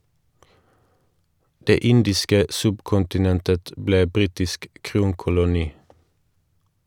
Det indiske subkontinentet ble britisk kronkoloni.